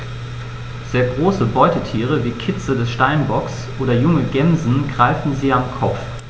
Sehr große Beutetiere wie Kitze des Steinbocks oder junge Gämsen greifen sie am Kopf.